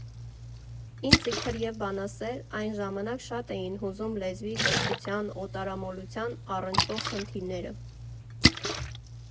Ինձ, իբրև բանասերի, այն ժամանակ շատ էին հուզում լեզվի, կրթության, օտարամոլությանն առնչվող խնդիրները։